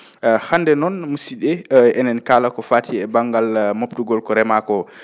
hannde noon mussid?e enen kaala ko fati e banngal moftugol o remaa koo